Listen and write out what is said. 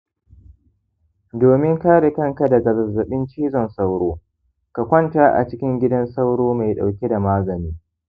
domin kare kanka daga zazzabin cizon sauro, ka kwanta a cikin gidan sauro mai dauke da magani